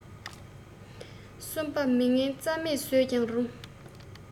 གསུམ པ མི ངན རྩ མེད བཟོས ཀྱང རུང